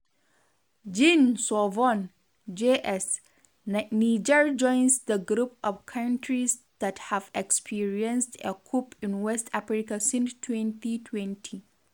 Jean Sovon (JS): Niger joins the group of countries that have experienced a coup in West Africa since 2020.